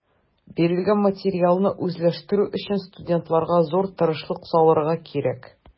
Бирелгән материалны үзләштерү өчен студентларга зур тырышлык салырга кирәк.